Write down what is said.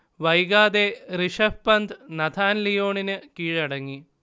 വൈകാതെ ഋഷഭ് പന്ത് നഥാൻ ലിയോണിന് കീഴടങ്ങി